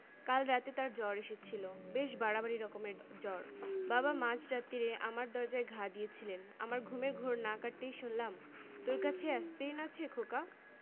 স্বপ্ন দেখছি এই ভেবে পাশে ফিরে আবার ঘুমিয়ে পড়ার উদ্যোগ করতেই মায়ের কান্না শুনলাম মা অসুখ বিসুখ একেবারেই সহ্য করতে পারেন না অল্প জ্বর অল্প মাথা ব্যাথা এতেই কাহিল